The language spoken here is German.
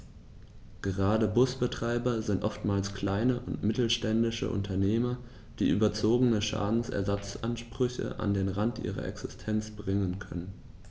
Gerade Busbetreiber sind oftmals kleine und mittelständische Unternehmer, die überzogene Schadensersatzansprüche an den Rand ihrer Existenz bringen können.